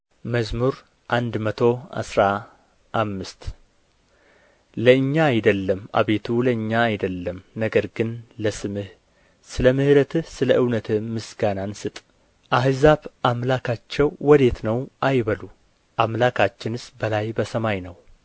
መዝሙር መቶ አስራ አምስት ለእኛ አይደለም አቤቱ ለእኛ አይደለም ነገር ግን ለስምህ ስለ ምሕረትህ ስለ እውነትህም ምስጋናን ስጥ አሕዛብ አምላካቸው ወዴት ነው አይበሉ አምላካችንስ በላይ በሰማይ ነው